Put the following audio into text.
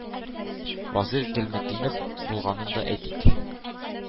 Вазыйх Гыйльметдинов булганын да әйтик.